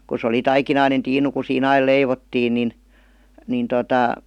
kun se oli taikinainen tiinu kun siinä aina leivottiin niin niin tuota